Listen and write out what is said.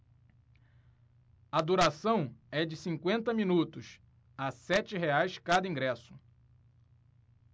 a duração é de cinquenta minutos a sete reais cada ingresso